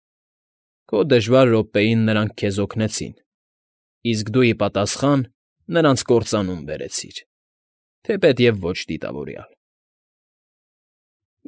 Քո դժվար րոպեին նրանք քեզ օգնեցին, իսկ դու ի պատասխան նրանց կործանում բերեցիր, թեպետև ոչ դիտավորյալ։